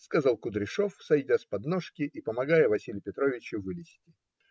сказал Кудряшов, сойдя с подножки и помогая Василию Петровичу вылезть.